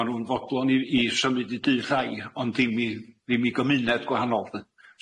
Ma' nw'n fodlon i i symud i dŷ llai ond ddim i ddim i gymuned gwahanol lly.